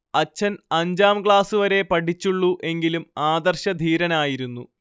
അച്ഛൻ അഞ്ചാം ക്ലാസുവരെയെ പഠിച്ചുള്ളൂ എങ്കിലും ആദർശധീരനായിരുന്നു